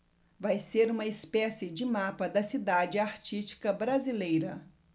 vai ser uma espécie de mapa da cidade artística brasileira